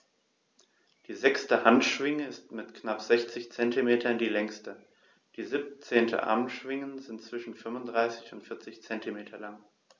Die sechste Handschwinge ist mit knapp 60 cm die längste. Die 17 Armschwingen sind zwischen 35 und 40 cm lang.